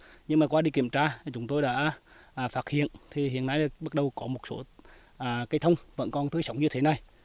nhưng mà qua đi kiểm tra thì chúng tôi đã phát hiện thì hiện nay là bước đầu có một số à cây thông vẫn còn tươi sống như thế này